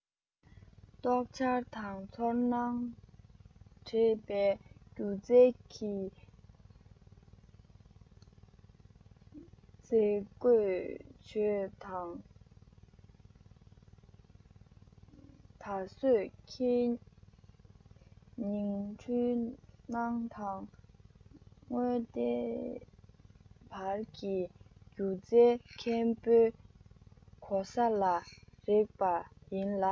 རྟོག འཆར དང ཚོར སྣང འདྲེས པའི སྒྱུ རྩལ གྱི མཛེས བཀོད བྱོས དང ད བཟོད ཁྱོད ཉིད འཁྲུལ སྣང དང དངོས བདེན བར གྱི སྒྱུ རྩལ མཁན པོའི གོ ས ལ རེག པ ཡིན ལ